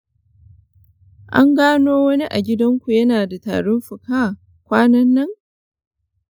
an gano wani a gidanku yana da tarin fuka kwanan nan?